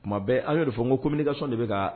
Tuma bɛ an y'o de fɔ ko kɔmi mini ka sɔn de bɛ ka